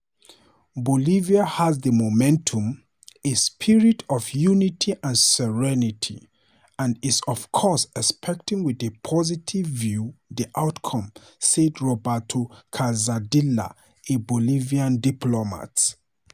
"Bolivia has the momentum, a spirit of unity and serenity, and is of course expecting with a positive view the outcome," said Roberto Calzadilla, a Bolivian diplomat.